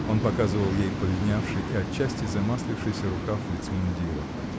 Он показывал ей полинявший и отчасти замаслившийся рукав вицмундира.